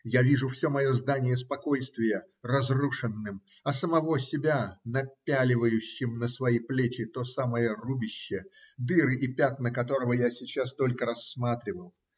я вижу все мое здание спокойствия разрушенным, а самого себя напяливающим на свои плечи то самое рубище, дыры и пятна которого я сейчас только рассматривал.